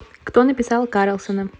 кто написал карлсона